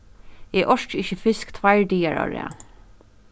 eg orki ikki fisk tveir dagar á rað